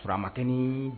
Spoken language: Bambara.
Sumateni